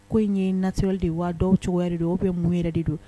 Ko in ye natɛre de ye wa dɔw cogo wɛrɛ don o bɛ mun yɛrɛ de don